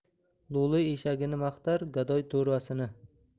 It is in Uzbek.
lo'li eshagini maqtar gadoy to'rvasini